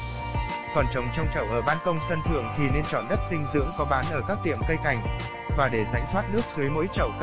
còn nếu trồng trong chậu ở ban công sân thượng thì nên chọn đất dinh dưỡng có bán ở các tiệm cây cảnh và để rãnh thoát nước dưới mỗi chậu cây